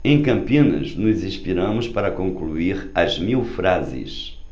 em campinas nos inspiramos para concluir as mil frases